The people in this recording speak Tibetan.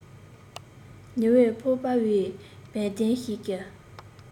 ཉི འོད ཕོག པའི བལ གདན ཞིག གི